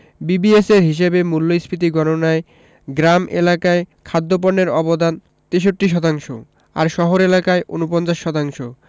বিবিএসের হিসাবে মূল্যস্ফীতি গণনায় গ্রাম এলাকায় খাদ্যপণ্যের অবদান ৬৩ শতাংশ আর শহর এলাকায় ৪৯ শতাংশ